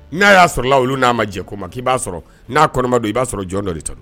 N'a y'a sɔrɔ la olu n'a ma jɛn ko ma, k'i b'a sɔrɔ, n'a kɔnɔma dɔ, i b'a sɔrɔ jɔn dɔ de don.